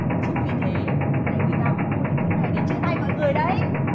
chính vì thế hôm nay người ta mới mua những thứ này để chia tay mọi người đấy